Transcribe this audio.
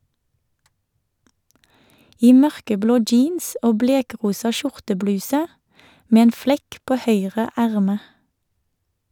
I mørkeblå jeans og blekrosa skjortebluse , med en flekk på høyre erme.